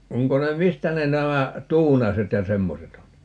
onko ne mistä ne nämä Tuunaset ja semmoiset on